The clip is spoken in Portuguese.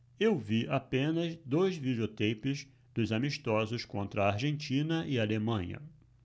eu vi apenas dois videoteipes dos amistosos contra argentina e alemanha